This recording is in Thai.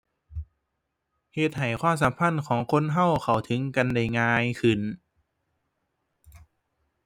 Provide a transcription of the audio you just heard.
เฮ็ดให้ความสัมพันธ์ของคนเรา เข้าถึงกันได้ง่ายขึ้น